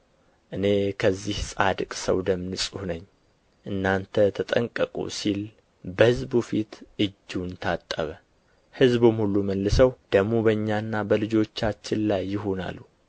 እኔ ከዚህ ጻድቅ ሰው ደም ንጹሕ ነኝ እናንተ ተጠንቀቁ ሲል በሕዝቡ ፊት እጁን ታጠበ ሕዝቡም ሁሉ መልሰው ደሙ በእኛና በልጆቻችን ላይ ይሁን አሉ